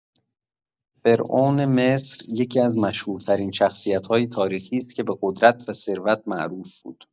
فرعون مصر یکی‌از مشهورترین شخصیت‌های تاریخی است که به قدرت و ثروت معروف بود.